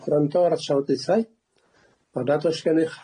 yn cael gwrando ar y trafodaethau, ond nad oes gennych